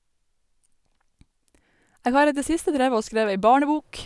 Jeg har i det siste drevet og skrevet ei barnebok.